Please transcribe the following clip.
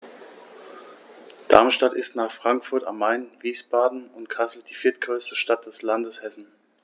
Darmstadt ist nach Frankfurt am Main, Wiesbaden und Kassel die viertgrößte Stadt des Landes Hessen